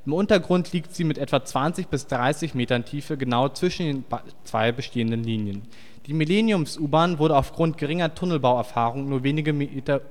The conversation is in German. Untergrund liegt sie mit etwa 20 bis 30 Metern Tiefe genau zwischen den zwei bestehenden Linien: die Millenniums-U-Bahn wurde aufgrund geringer Tunnelbauerfahrungen nur wenige Meter